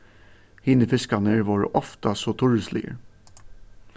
hinir fiskarnir vóru ofta so turrisligir